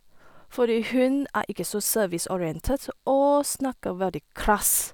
Fordi hun er ikke så serviceorientert og snakker veldig krass.